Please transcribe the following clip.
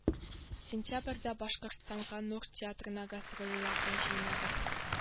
Сентябрьдә башкортстанга нур театрына гастрольләргә җыенабыз